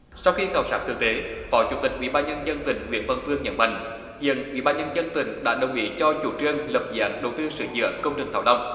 sau khi khảo sát thực tế phó chủ tịch ủy ban nhân dân tỉnh nguyễn văn phương nhấn mạnh hiện ủy ban nhân dân tỉnh đã đồng ý cho chủ trương lập dự án đầu tư sửa chữa công trình thảo long